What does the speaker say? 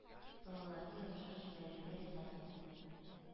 Балаларны ярышка җибәрергә риза булды,